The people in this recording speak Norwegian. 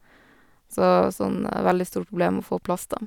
Så var sånn veldig stort problem å få plass, da.